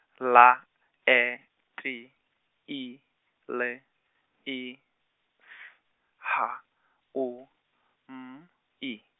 L, E, T, I, L, I, S, H, U, M, I.